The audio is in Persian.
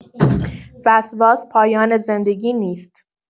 وسواس پایان زندگی نیست.